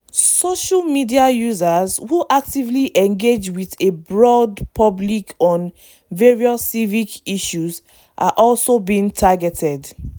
Social media users who actively engage with a broad public on various civic issues are also being targeted.